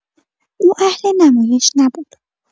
او اهل نمایش نبود.